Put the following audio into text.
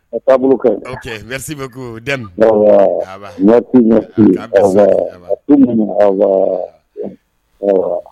Taabolo mɛbugu ko den mɛ kun kun